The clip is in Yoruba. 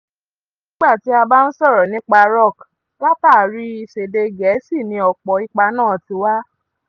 Àti pé nígbà tí a bá ń sọ̀rọ̀ nípa Rock, látààrí ìsèdè-Gẹ̀ẹ́sì ni ọ̀pọ̀ ipa náà ti wá.